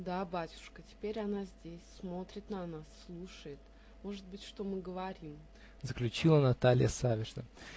-- Да, батюшка, теперь она здесь, смотрит на нас, слушает, может быть, что мы говорим, -- заключила Наталья Савишна.